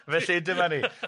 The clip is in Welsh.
Felly dyma ni.